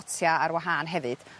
potia ar wahân hefyd